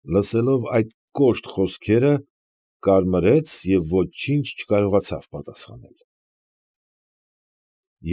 Լսելով այդ կոշտ խոսքերը, կարմրեց և ոչինչ չկարողացավ պատասխանել։